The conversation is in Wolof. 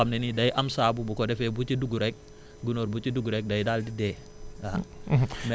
ndox moo xam ne ni day am saabu bu ko defee bu ci dugg rek gunóor bu ci dugg rek day daal di dee waaw